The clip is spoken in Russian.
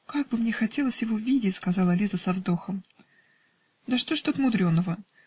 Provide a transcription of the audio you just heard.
-- Как бы мне хотелось его видеть! -- сказала Лиза со вздохом. -- Да что же тут мудреного?